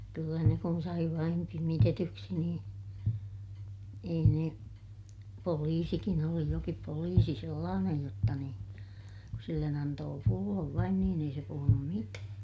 kyllä ne kun sai vain pimitetyksi niin ei ne poliisikin oli jokin poliisi sellainen jotta niin kun sille antaa pullon vain niin ei se puhunut mitään